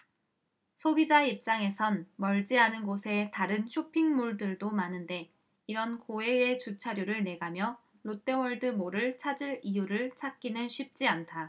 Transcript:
소비자 입장에선 멀지 않은 곳에 다른 쇼핑 몰들도 많은데 이런 고액의 주차료를 내가며 롯데월드몰을 찾을 이유를 찾기는 쉽지 않다